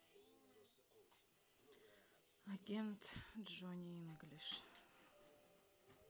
агент джони инглиш